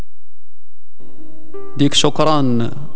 ديك شكرا